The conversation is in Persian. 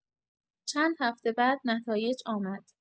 چند هفته بعد، نتایج آمد.